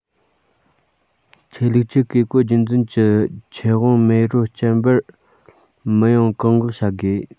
ཆོས ལུགས ཀྱི བཀས བཀོད རྒྱུད འཛིན གྱི ཁྱད དབང མེ རོ བསྐྱར འབར མི ཡོང བཀག འགོག བྱ དགོས